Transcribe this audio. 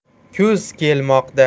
kuz kelmoqda